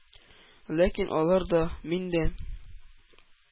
Ләкин алар да, мин дә